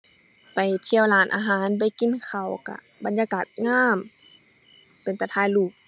ไปเที่ยวร้านอาหาร ไปกินข้าวก็บรรยากาศงาม เป็นตาถ่ายรูป